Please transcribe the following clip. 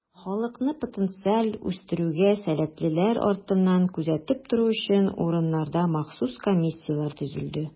Халыкны потенциаль үстерүгә сәләтлеләр артыннан күзәтеп тору өчен, урыннарда махсус комиссияләр төзелде.